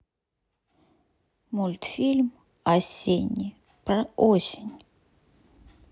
мультфильм осенний про осень